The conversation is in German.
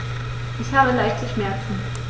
Ich habe leichte Schmerzen.